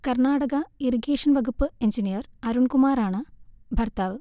Karnataka irrigation വകുപ്പ് engineer അരുൺകുമാറാണ് ഭർത്താവ്